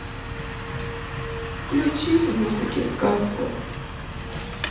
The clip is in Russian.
включи в музыке сказку